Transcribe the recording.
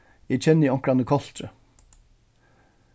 eg kenni onkran í koltri